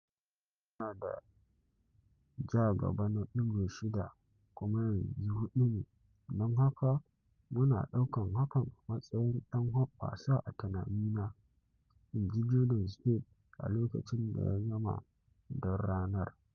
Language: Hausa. “A da suna da ja gaba na ɗigo shida kuma yanzu huɗu ne, don haka muna ɗaukan hakan a matsayin dan hoɓɓasa a tunanina,” inji Jordan Spieth a lokacin da ya gama don ranar.